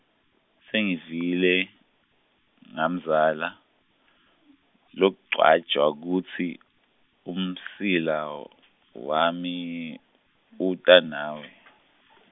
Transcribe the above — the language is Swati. Sengivile, ngemzala, logwaja kutsi, umsila , wami, uta nawe .